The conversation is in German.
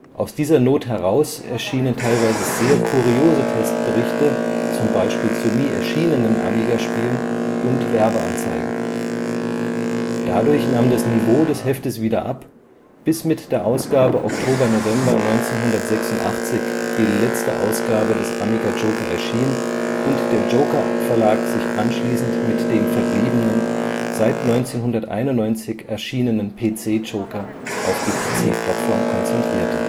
Aus dieser Not heraus erschienen teilweise sehr kuriose Testberichte (z. B. zu nie erschienenen Amiga-Spielen) und Werbeanzeigen. Dadurch nahm das Niveau des Heftes wieder ab, bis mit der Ausgabe Oktober/November 1996 die letzte Ausgabe des Amiga Joker erschien und der Joker-Verlag sich anschließend mit dem verbliebenen, seit 1991 erscheinenden PC Joker auf die PC-Plattform konzentrierte